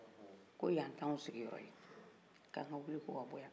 ko yan t'aw siginyɔrɔ ye k'an ka wili ka bɔ yan